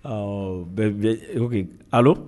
Ɔ bɛɛ que ala